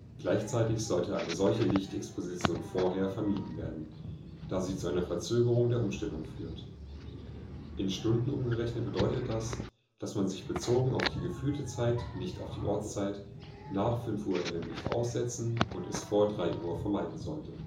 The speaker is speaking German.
Gleichzeitig sollte eine solche Lichtexposition vorher vermieden werden, da sie zu einer Verzögerung der Umstellung führt. In Stunden umgerechnet bedeutet das, dass man (bezogen auf die gefühlte Zeit, nicht auf die Ortszeit) sich nach 5 Uhr hellem Licht aussetzen und es vor 3 Uhr vermeiden sollte